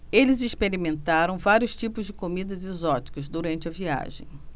eles experimentaram vários tipos de comidas exóticas durante a viagem